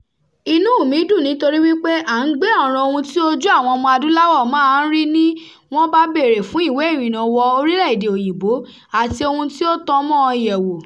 Inúu mi dùn nítorí wípé à ń gbé ọ̀ràn ohun tí ojú àwọn ọmọ-adúláwọ̀ máa ń rí ní wọ́n bá béèrè fún ìwé ìrìnnà wọ Orílẹ̀-èdè òyìnbó àti ohun ti ó tan mọ́ ọn yè wò.